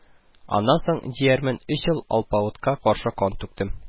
Аннан соң, диярмен, өч ел алпавытка каршы кан түктем